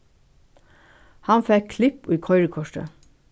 hann fekk klipp í koyrikortið